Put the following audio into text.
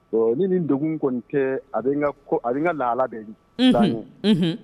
Ɔ ni ni dogo kɔni kɛ a n ka la bɛ